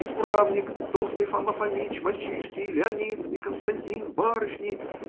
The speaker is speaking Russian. Исправник, толстый Фома Фомич, мальчишки, Леонид и Константин, барышни